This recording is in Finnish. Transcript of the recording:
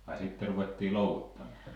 ai sitten ruvettiin loukuttamaan